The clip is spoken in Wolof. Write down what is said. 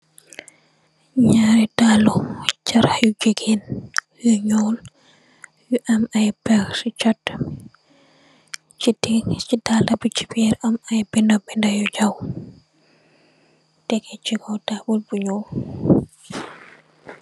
Ñaari dallë, ñuy caaraxi jigéen yu ñuul, yu am ay per ci cat bi, ci dallë bi ci biir, am ay bindë bindë yu ndaw, teggee ci kow taabul bu ñuul.